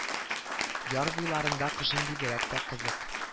Яр буйларында кышын бигрәк тә кызык